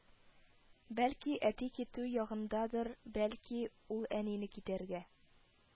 Бәлки, әти китү ягындадыр, бәлки, ул әнине китәргә